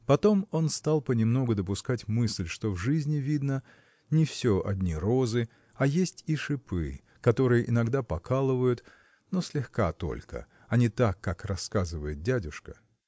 Потом он стал понемногу допускать мысль что в жизни видно не всё одни розы а есть и шипы которые иногда покалывают но слегка только а не так как рассказывает дядюшка.